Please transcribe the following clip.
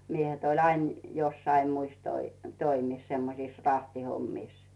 miehet oli aina jossakin muissa - toimissa semmoisissa rahtihommissa